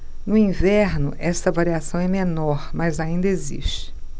no inverno esta variação é menor mas ainda existe